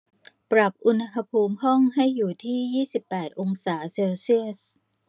ปรับอุณหภูมิห้องให้อยู่ที่ยี่สิบแปดองศาเซลเซียส